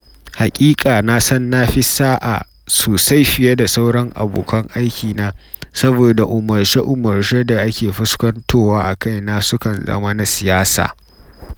Haƙiƙa, na san na ti sa’a sosai fiye da sauran abokan aikina saboda umarce-umarce da ake fuskantowa a kaina sukan zama na siyasa.